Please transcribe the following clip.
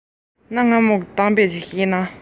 སྲིད པ རྒད པོས གཏམ དཔེ བཤད ན